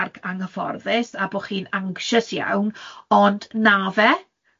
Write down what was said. ar- anghyfforddus a bo' chi'n anxious iawn ond 'na fe.